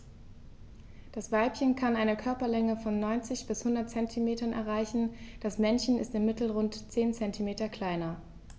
Das Weibchen kann eine Körperlänge von 90-100 cm erreichen; das Männchen ist im Mittel rund 10 cm kleiner.